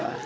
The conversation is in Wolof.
waaw